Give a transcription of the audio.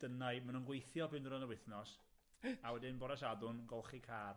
Dyna i- ma' nw'n gweithio blinder yn yr wythnos, a wedyn bore Sadwrn, golchi car.